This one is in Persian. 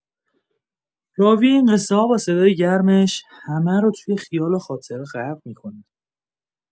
راوی این قصه‌ها با صدای گرمش، همه رو توی خیال و خاطره غرق می‌کنه.